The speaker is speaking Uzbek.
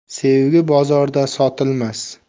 sevgi bozorda sotilmas